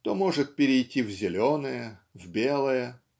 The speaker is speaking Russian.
то может перейти в зеленое в белое